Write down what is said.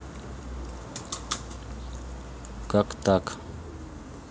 как так